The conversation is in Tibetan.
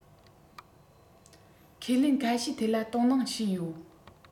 ཁས ལེན ཁ ཤས ཐད ལ དོ སྣང བྱས ཡོད